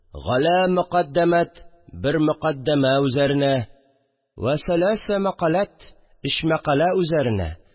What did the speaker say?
«галә мөкаддәмәт» бер мөкаддәмә үзәренә, «вә сәлясә мәкалт» өч мәкалә үзәренә